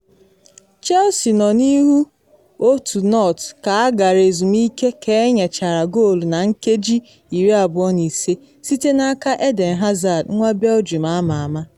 Chelsea nọ n’ihu 1-0 ka agara ezumike ka enyechara goolu na nkeji 25 site n’aka Eden Hazard nwa Belgium ama ama.